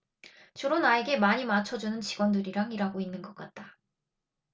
주로 나에게 많이 맞춰주는 직원들이랑 일하고 있는 것 같다